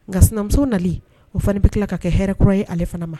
Nka sinamuso nalen o fana bɛ tila ka kɛ hɛrɛ kura ye ale fana ma.